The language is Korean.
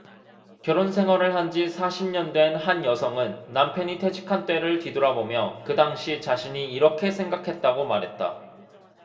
결혼 생활을 한 지 사십 년 된 한 여성은 남편이 퇴직한 때를 뒤돌아보며 그 당시 자신이 이렇게 생각했다고 말했다